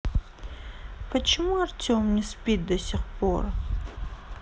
почему артем не спит до сих пор